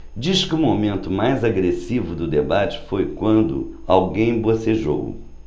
diz que o momento mais agressivo do debate foi quando alguém bocejou